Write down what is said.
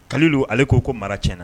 Kalilu ale k'o ko mara tiɲɛna.